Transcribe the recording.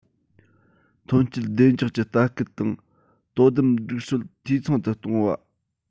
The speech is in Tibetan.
ཐོན སྐྱེད བདེ འཇགས ཀྱི ལྟ སྐུལ དང དོ དམ སྒྲིག སྲོལ འཐུས ཚང དུ གཏོང བ